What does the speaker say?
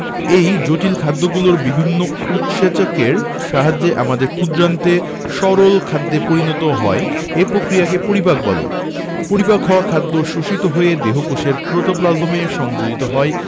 এই জটিল খাদ্যগুলো বিভিন্ন উৎসেচকের সাহায্যে আমাদের ক্ষুদ্রান্তে সরল খাদ্যে পরিণত হয় এই প্রক্রিয়াকে পরিপাক বলে পরিপাক হওয়া খাদ্য শোষিত হয়ে দেহকোষের প্রোটোপ্লাজমে সংযোজিত হয়